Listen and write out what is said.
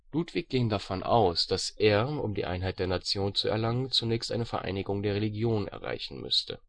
Ludwig ging davon aus, dass er, um die Einheit der Nation zu erlangen, zunächst eine Vereinigung der Religion erreichen müsste